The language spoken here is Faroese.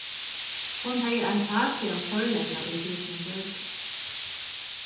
hon hevði ein fakligan førleika í tí sum hon gjørdi